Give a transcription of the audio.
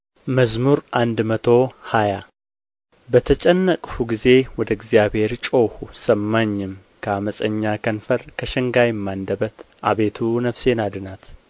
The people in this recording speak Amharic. መዝሙር መቶ ሃያ በተጨነቅሁ ጊዜ ወደ እግዚአብሔር ጮኽሁ ሰማኝም ከዓመፀኛ ከንፈር ከሸንጋይም አንደበት አቤቱ ነፍሴን አድናት